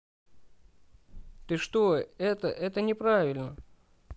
а ты что это не это неправильно